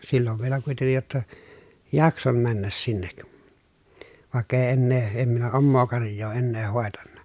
silloin vielä kuitenkin jotta jaksoin mennä sinne vaikka ei enää en minä omaa karjaa ennen hoitanut